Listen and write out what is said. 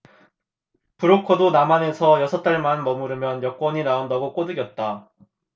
브로커도 남한에서 여섯달만 머무르면 여권이 나온다고 꼬드겼다